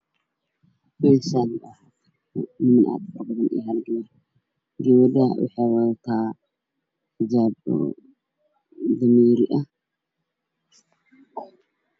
Meeshaan waxaa fadhiyo wiil iyo gabar. Gabartu waxay wadataa xijaab dameeri ah.